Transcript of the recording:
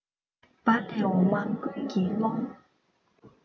བ ལས འོ མ ཀུན གྱིས ལོང